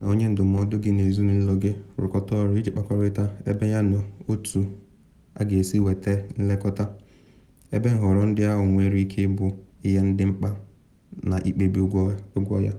Gị na onye ndụmọdụ gị na ezinụlọ gị rụkọta ọrụ iji kpakọrịta ebe yana otu a ga-esi nweta nlekọta, ebe nhọrọ ndị ahụ nwere ike ịbụ ihe ndị dị mkpa na ikpebi ụgwọ ya.